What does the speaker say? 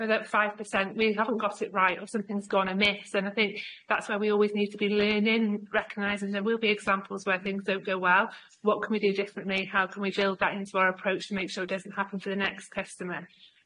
for that five percent we haven't got it right or something's gone amiss and I think that's where we always need to be learning recognisin' there will be examples where things don't go well what can we do differently how can we build that into our approach to make sure it doesn't happen for the next customer?